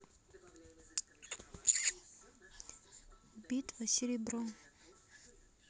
битва серебро